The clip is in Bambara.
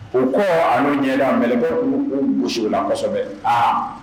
U kɔɔ an'u ɲɛda mɛlɛkɛw b'u u gosi o la kosɛbɛ aa